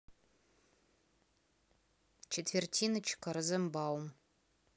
четвертиночка розенбаум